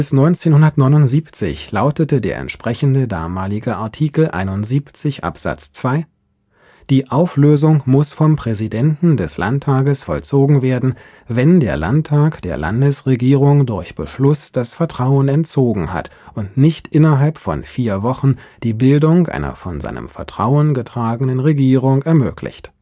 1979 lautete der entsprechende Artikel 71 Absatz 2: Die Auflösung muß vom Präsidenten des Landtages vollzogen werden, wenn der Landtag der Landesregierung durch Beschluß das Vertrauen entzogen hat und nicht innerhalb von vier Wochen die Bildung einer von seinem Vertrauen getragene Regierung ermöglicht